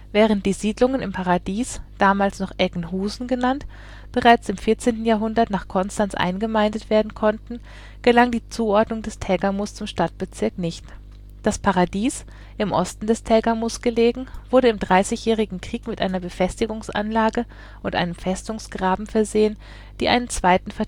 Während die Siedlungen im Paradies, damals noch Eggenhusen genannt, bereits im 14. Jahrhundert nach Konstanz eingemeindet werden konnten, gelang die Zuordnung des Tägermoos zum Stadtbezirk nicht. Das Paradies, im Osten des Tägermoos gelegen, wurde im Dreissigjährigen Krieg mit einer Befestigungsanlage und einem Festungsgraben versehen, die einen zweiten